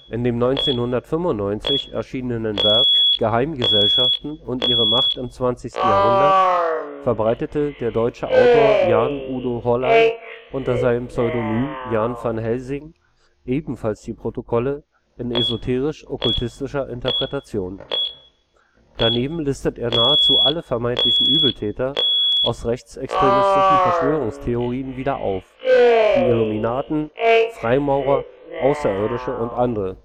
In dem 1995 erschienenen Werk Geheimgesellschaften und ihre Macht im 20. Jahrhundert verbreitete der deutsche Autor Jan Udo Holey unter seinem Pseudonym Jan van Helsing ebenfalls die Protokolle in esoterisch-okkultistischer Interpretation. Daneben listete er nahezu alle vermeintlichen Übeltäter aus rechtsextremistischen Verschwörungstheorien wieder auf: die Illuminaten, Freimaurer, Außerirdische u. a.